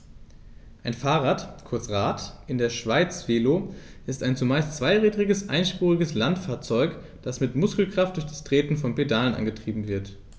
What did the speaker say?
Ein Fahrrad, kurz Rad, in der Schweiz Velo, ist ein zumeist zweirädriges einspuriges Landfahrzeug, das mit Muskelkraft durch das Treten von Pedalen angetrieben wird.